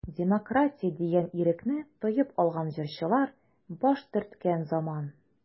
Демократия дигән ирекне тоеп алган җырчылар баш төрткән заман.